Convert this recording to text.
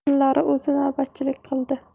tunlari o'zi navbatchilik qildi